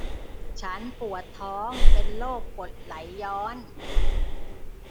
ฉันปวดท้องเป็นโรคกรดไหลย้อน